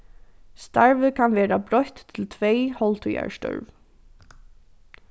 starvið kann verða broytt til tvey hálvtíðar størv